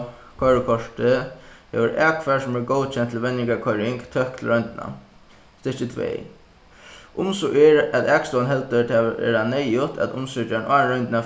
koyrikorti hevur akfar sum er góðkent til venjingarkoyring tøkt til royndina stykki tvey um so er at akstovan heldur tað verða neyðugt at umsøkjarin áðrenn royndina